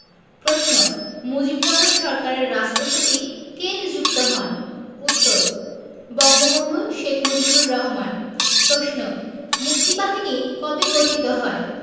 প্রশ্ন মুজিবনগর সরকারের রাষ্ট্রপতি কে নিযুক্ত হন উত্তর বঙ্গবন্ধু শেখ মুজিবুর রহমান প্রশ্ন মুক্তিবাহিনী কবে গঠিত হয়